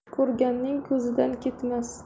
ko'rganning ko'zidan ketmas